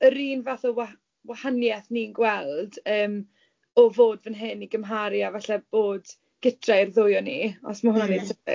yr un fath o wa- wahaniaeth ni'n gweld yym o fod fan hyn i gymharu a falle bod gytre i'r ddwy o ni, os ma' hwnna'n wneud synnwyr.